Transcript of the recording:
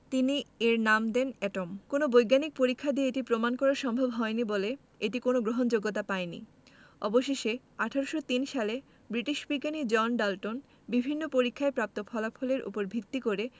তিনি এর নাম দেন এটম কোনো বৈজ্ঞানিক পরীক্ষা দিয়ে এটি প্রমাণ করা সম্ভব হয়নি বলে এটি কোনো গ্রহণযোগ্যতা পায়নি অবশেষে 1803 সালে ব্রিটিশ বিজ্ঞানী জন ডাল্টন বিভিন্ন পরীক্ষায় প্রাপ্ত ফলাফলের উপর ভিত্তি করে